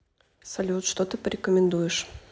салют что ты порекомендуешь